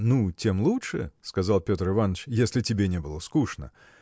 ну, тем лучше, – сказал Петр Иваныч, – если тебе не было скучно